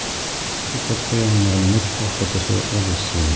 Китапка яңа мәгълүмат та, фотосурәтләр дә өстәлгән.